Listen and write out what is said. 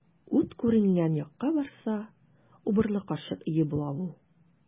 Ут күренгән якка барса, убырлы карчык өе була бу.